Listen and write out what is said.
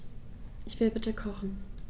Ich will bitte kochen.